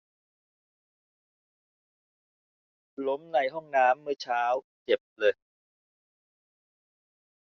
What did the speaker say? ล้มในห้องน้ำเมื่อเช้าเจ็บเลย